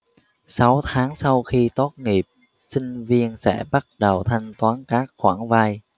sáu tháng sau khi tốt nghiệp sinh viên sẽ bắt đầu thanh toán các khoản vay